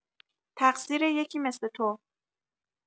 تقصیر یکی مث تو